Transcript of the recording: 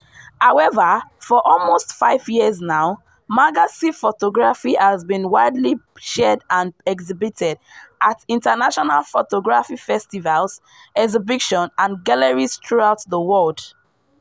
However, for almost five years now, Malagasy photography has been widely shared and exhibited at international photography festivals, exhibitions, and galleries throughout the world.